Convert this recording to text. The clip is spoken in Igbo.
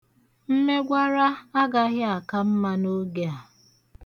Mmegwara agaghị aka mma n'oge a.